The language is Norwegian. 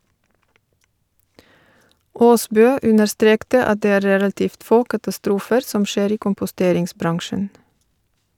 Aasbø understrekte at det er relativt få katastrofer som skjer i komposteringsbransjen.